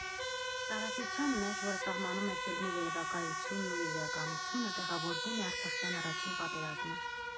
Տարածության մեջ, որը սահմանում էր ֆիլմի երևակայությունն ու իր իրականությունը, տեղավորվում է Արցախյան առաջին պատերազմը։